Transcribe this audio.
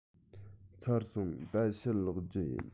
ཚར སོང ད ཕྱིར ལོག རྒྱུ ཡིན